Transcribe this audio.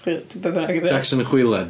Chwi- be bynnag ydy o... Jackson y Chwilen.